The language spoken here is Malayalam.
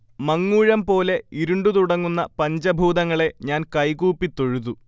'മങ്ങൂഴംപോലെ ഇരുണ്ടുതുടങ്ങുന്ന പഞ്ചഭൂതങ്ങളെ ഞാൻ കൈകൂപ്പി തൊഴുതു'